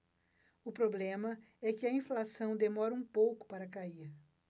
o problema é que a inflação demora um pouco para cair